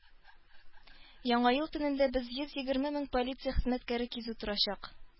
Яңа ел төнендә без йөз егерме мең полиция хезмәткәре кизү торачак.